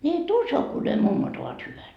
niin et usko kun ne mummot ovat hyvät